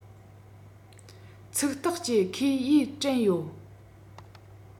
ཚིག ཐག བཅད ཁོས ཡས དྲན ཡོད